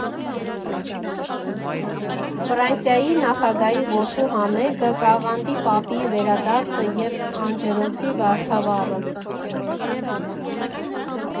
Ֆրանսիայի նախագահի որդու համերգը, Կաղանդի պապի վերադարձը և անջրոցի Վարդավառը.